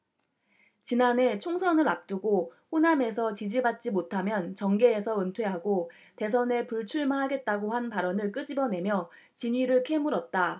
지난해 총선을 앞두고 호남에서 지지받지 못하면 정계에서 은퇴하고 대선에 불출마하겠다고 한 발언을 끄집어내며 진위를 캐물었다